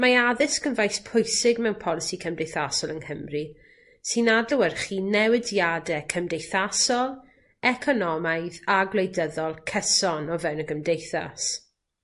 Mae addysg yn faes pwysig mewn polisi cymdeithasol yng Nghymru sy'n adlewyrchu newidiade cymdeithasol, economaidd a gwleidyddol cyson o fewn y gymdeithas.